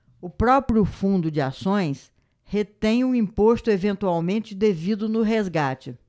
o próprio fundo de ações retém o imposto eventualmente devido no resgate